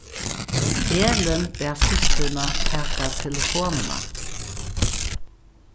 elin bað systrina taka telefonina